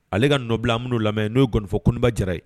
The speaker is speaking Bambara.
Ale ka nɔbila minnu lamɛn n'o gɔnifɔ koba jara ye